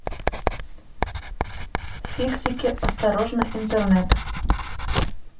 фиксики осторожно интернет